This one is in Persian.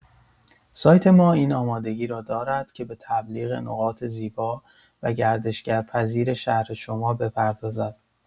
سایت ما این آمادگی را دارد که به تبلیغ نقاط زیبا و گردشگرپذیر شهر شما بپردازد.